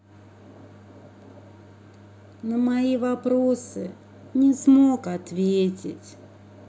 на мои вопросы не смог ответить